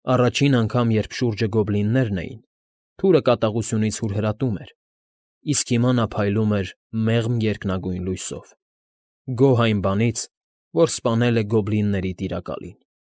Առաջին անգամ, երբ շուրջը գոբլիններն էին, թուրը կատաղությունից հուրհրատում էր, իսկ հիմա նա փայլում էր մեղմ երկնագույն լույսով, գոհ այն բանից, որ սպանել է գոբլինների տիրակալին։